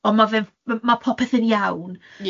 Ond ma' fe'n ma' ma' popeth yn iawn.